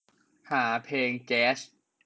หาเพลงแจ๊ส